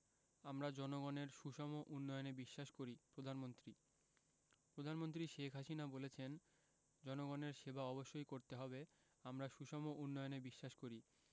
আমরা জনগণের সুষম উন্নয়নে বিশ্বাস করি প্রধানমন্ত্রী প্রধানমন্ত্রী শেখ হাসিনা বলেছেন জনগণের সেবা অবশ্যই করতে হবে আমরা সুষম উন্নয়নে বিশ্বাস করি